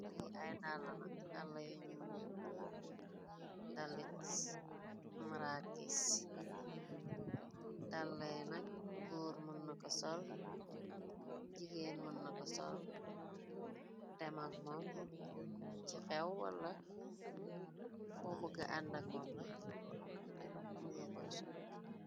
li ay dallala dala yuñu dalimrakis dallay nag góor mannako sol jigéen manna ko sol dem ak moom ci xew wala fobuga àndak moom rek manga koay sol